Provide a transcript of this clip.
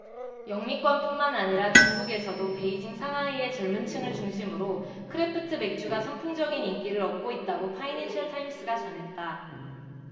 영미권뿐만 아니라 중국에서도 베이징 상하이의 젊은층을 중심으로 크래프트 맥주가 선풍적인 인기를 얻고 있다고 파이낸셜타임스가 전했다